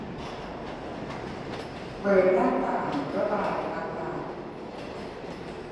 เปิดหน้าต่างระบายอากาศ